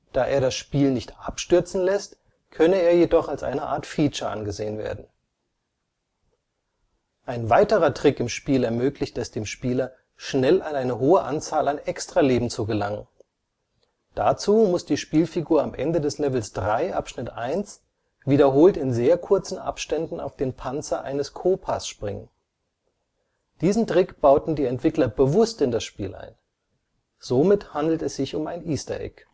Da er das Spiel nicht abstürzen lässt, könne er jedoch als eine Art Feature angesehen werden. Ein weiterer Trick im Spiel ermöglicht es dem Spieler, schnell an eine hohe Anzahl an Extraleben zu gelangen. Dazu muss die Spielfigur am Ende des Levels 3-1 wiederholt in sehr kurzen Abständen auf den Panzer eines Koopas springen. Diesen Trick bauten die Entwickler bewusst in das Spiel ein. Somit handelt es sich um ein Easter Egg